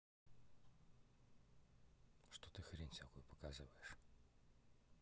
что ты хрень всякую показываешь